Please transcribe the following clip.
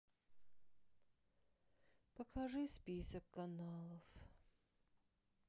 покажи список каналов